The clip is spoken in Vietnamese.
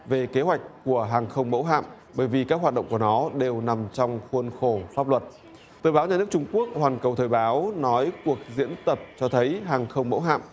về kế hoạch của hàng không mẫu hạm bởi vì các hoạt động của nó đều nằm trong khuôn khổ pháp luật tờ báo nhà nước trung quốc hoàn cầu thời báo nói cuộc diễn tập cho thấy hàng không mẫu hạm